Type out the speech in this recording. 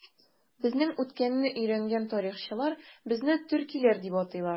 Безнең үткәнне өйрәнгән тарихчылар безне төркиләр дип атыйлар.